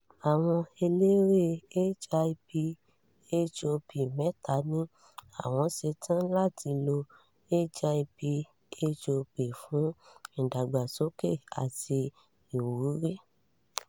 Àwọn eléré hip hop mẹ́ta ní àwọn ṣe tán láti lo hip hop fún ìdàgbàsókè àti ìwúrí.